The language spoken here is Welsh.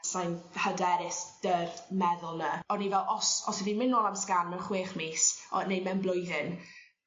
sai'n hyderus 'dy'r meddwl 'na o'n i fel os os 'yf fi'n myn' nôl am sgan mewn chwech mis o neu mewn blwyddyn